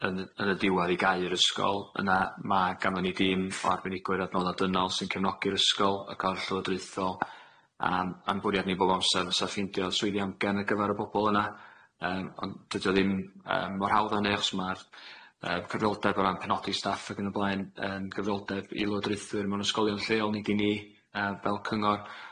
yn yy yn y diwedd i gau'r ysgol yna ma' ganddon ni dîm o arbenigwyr adnodda dynol sy'n cefnogi'r ysgol, y corff llywodraethol a'n a'n bwriad ni bob amsar fysa ffindio swyddi amgen ar gyfer y bobol yna yym ond dydi o ddim yym mor hawdd a hynny achos ma'r yy cyfrioldeb o ran penodi staff ag yn y blaen yn gyfrifoldeb i lywodraethwyr mewn ysgolion lleol nid i ni yy fel cyngor,